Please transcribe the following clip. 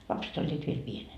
lapset olivat vielä pienenä